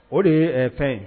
O de ye ɛ fɛn ye